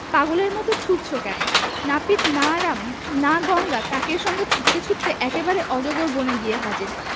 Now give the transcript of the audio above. পাগলের মতো ছুটছ কেন নাপিত না রাম না গঙ্গা কাকের সঙ্গে ছুটতে ছুটতে একেবারে অজগর বনে গিয়ে হাজির